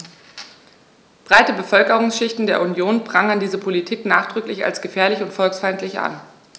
Breite Bevölkerungsschichten der Union prangern diese Politik nachdrücklich als gefährlich und volksfeindlich an.